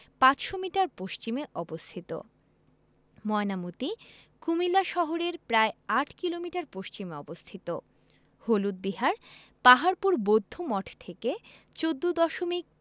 ৫০০ metre পশ্চিমে অবস্থিত ময়নামতি কুমিল্লা শহরের প্রায় ৮ কিলোমিটার পশ্চিমে অবস্থিত হলুদ বিহার পাহাড়পুর বৌদ্ধমঠ থেকে ১৪দশমিক